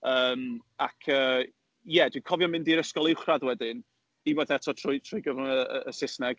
Yym, ac yy, ie, dwi'n cofio mynd i'r ysgol uwchradd wedyn, unwaith eto trwy trwy gyfrwng yy, y y Saesneg.